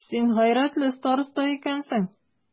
Син гайрәтле староста икәнсең.